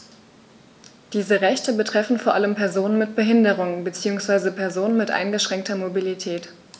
Diese Rechte betreffen vor allem Personen mit Behinderung beziehungsweise Personen mit eingeschränkter Mobilität.